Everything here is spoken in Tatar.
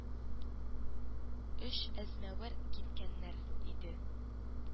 Өч әзмәвер киткәннәр иде